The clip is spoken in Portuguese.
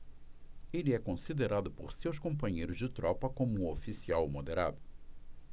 ele é considerado por seus companheiros de tropa como um oficial moderado